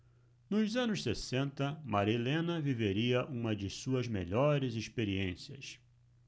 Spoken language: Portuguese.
nos anos sessenta marilena viveria uma de suas melhores experiências